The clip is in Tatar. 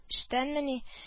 Эштәнмени